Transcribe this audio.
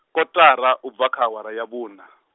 kotara ubva kha awara ya vhuna.